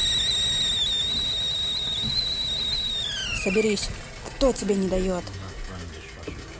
соберись кто тебе не дает